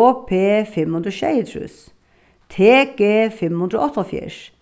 o p fimm hundrað og sjeyogtrýss t g fimm hundrað og áttaoghálvfjerðs